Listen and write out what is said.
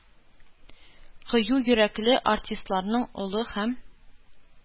Кыю йөрәкле артистларның олы һәм